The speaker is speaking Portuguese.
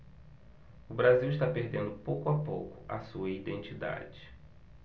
o brasil está perdendo pouco a pouco a sua identidade